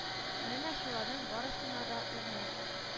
Менә шуларның барысына да үрнәк